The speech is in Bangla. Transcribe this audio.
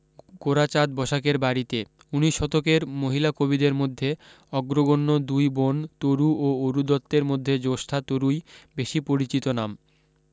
গোরাচাঁদ বসাকের বাড়ীতে উনিশ শতকের মহিলা কবিদের মধ্যে অগ্রগণ্য দুই বোন তরু ও অরু দত্তের মধ্যে জ্যেষ্ঠা তরুই বেশী পরিচিত নাম